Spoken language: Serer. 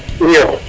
iyo